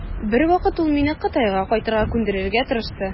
Бер вакыт ул мине Кытайга кайтырга күндерергә тырышты.